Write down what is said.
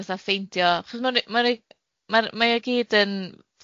fatha ffeindio achos ma'n re- ma'n rei- ma'n mae o gyd yn